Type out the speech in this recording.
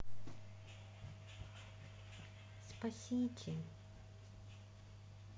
спасите